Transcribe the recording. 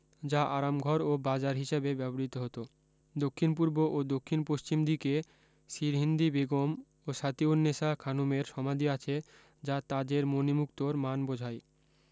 যা আরামঘর ও বাজার হিসাবে ব্যবহৃত হত দক্ষিনপূর্ব ও দক্ষিনপশ্চিম দিকে সিরহিন্দি বেগম ও সাতিউন্নেসা খানুমের সমাধি আছে যা তাজের মনিমুক্তোর মান বোঝায়